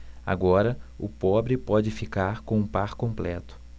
agora o pobre pode ficar com o par completo